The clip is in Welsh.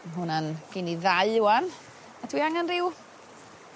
ma' hwnna'n gin i ddau ŵan a dwi angen ryw